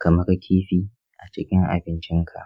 kamar kifi, a cikin abincinka.